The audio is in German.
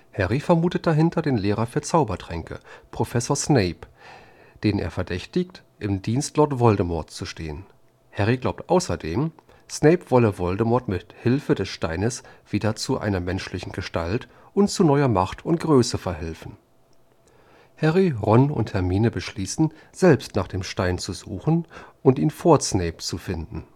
Harry vermutet dahinter den Lehrer für Zaubertränke, Professor Snape, den er verdächtigt, im Dienst Lord Voldemorts zu stehen. Harry glaubt außerdem, Snape wolle Voldemort mithilfe des Steines wieder zu einer menschlichen Gestalt und zu neuer Macht und Größe verhelfen. Harry, Ron und Hermine beschließen, selbst nach dem Stein zu suchen, um ihn vor Snape zu finden